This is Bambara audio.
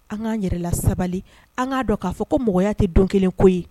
An k'an yɛrɛla sabali an k'a dɔn k'a fɔ ko mɔgɔya tɛ don kelen ko ye